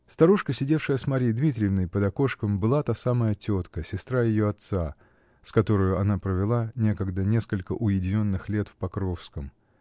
Старушка, сидевшая с Марьей Дмитриевной под окошком, была та самая тетка, сестра ее отца, с которою она провела некогда несколько уединенных лет в Покровском.